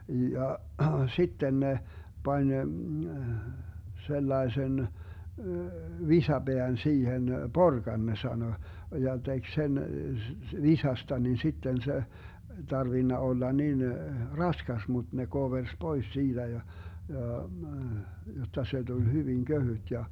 ja sitten ne pani sellaisen visapään siihen porkan ne sanoi ja teki sen visasta niin sitten se ei tarvinnut olla niin raskas mutta ne koversi pois siitä ja ja jotta se tuli hyvin kevyt ja